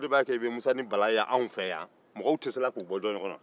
o de b'a kɛ i be musa ni bala ye an fɛ yan mɔgɔw tɛ se a la k'u bɔ ɲɔgɔnna